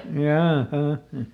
jaaha